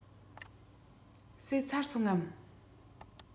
ཟོས ཚར སོང ངམ